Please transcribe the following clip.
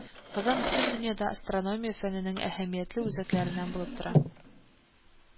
Казан бөтен дөньяда астрономия фәненең әһәмиятле үзәкләреннән булып тора